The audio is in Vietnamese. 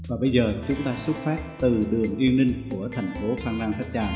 và bây giờ chúng ta khởi hành từ đường yên ninh thuộc thành phố phan rang tháp chàm